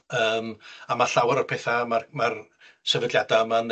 yym ma' llawar o petha ma'r ma'r sefydliada yma'n